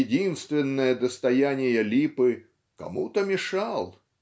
единственное достояние Липы кому-то мешал.